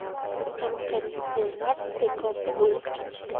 kamikadzelar bekorga o'lib ketishdi